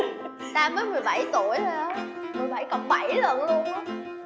ta mới mười bảy tuổi thôi á mười bảy cộng bảy lận luôn á